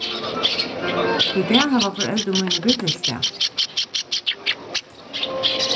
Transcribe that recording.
í dag hava foreldur míni brúdleypsdag